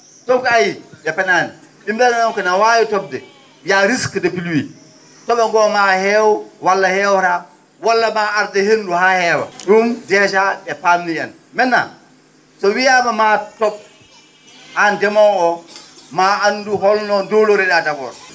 donc ayi ?e penaani ?e mbiyata on ko no waawi to?de y a risque de pluie to?o ngo maa heew walla heewataa walla ma ardu e henndu haa heewa ?um déjà ?e pamnii en maintenant so wiyama maa to? aan ndemoowo oo maa a anndu holno nduulori?a d' abord